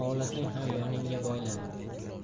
ovlasang ham yoningga boylama